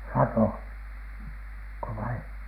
- latoko vai